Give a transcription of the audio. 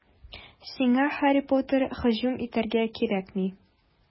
Сиңа Һарри Поттерга һөҗүм итәргә кирәкми.